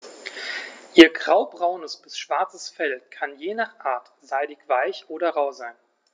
Ihr graubraunes bis schwarzes Fell kann je nach Art seidig-weich oder rau sein.